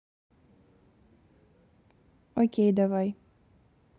окей давай